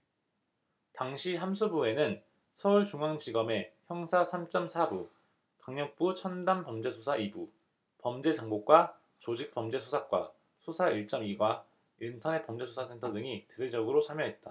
당시 합수부에는 서울중앙지검의 형사 삼 쩜 사 부 강력부 첨단범죄수사 이 부 범죄정보과 조직범죄수사과 수사 일 쩜 이 과 인터넷범죄수사센터 등이 대대적으로 참여했다